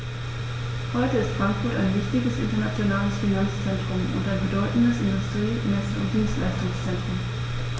Heute ist Frankfurt ein wichtiges, internationales Finanzzentrum und ein bedeutendes Industrie-, Messe- und Dienstleistungszentrum.